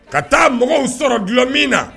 Ka taa mɔgɔw sɔrɔ dulɔ min na